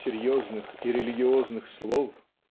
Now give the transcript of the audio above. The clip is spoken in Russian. серьезных и религиозных слов